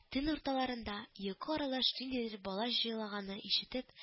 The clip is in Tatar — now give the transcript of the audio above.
Төн урталарында, йокы аралаш ниндидер бала җылаганны ишетеп